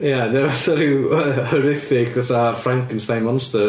Ia, fatha ryw horrific fatha Frankenstein monster...